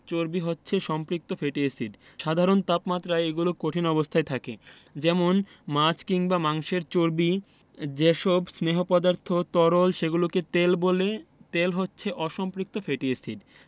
চর্বি হচ্ছে সম্পৃক্ত ফ্যাটি এসিড সাধারণ তাপমাত্রায় এগুলো কঠিন অবস্থায় থাকে যেমন মাছ কিংবা মাংসের চর্বি যেসব স্নেহ পদার্থ তরল সেগুলোকে তেল বলে তেল হচ্ছে অসম্পৃক্ত ফ্যাটি এসিড